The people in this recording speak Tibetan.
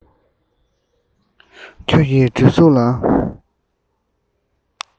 ཁྱོད ཀྱི གྲིབ གཟུགས ལ